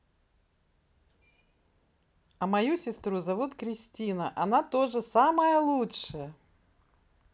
а мою сестру зовут кристина она тоже самая лучшая